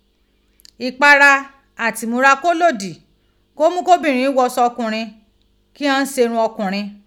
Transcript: ìpara àti ìmúra kó lòdì, kó mú kí obìnrin ghọṣọ ọkùnrin, kí ghan ṣerun ọkùnrin.